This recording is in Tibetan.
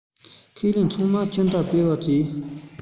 ཁས ལེན ཚང མ ཆུ མདའ འཕེན སྤྱད བྱས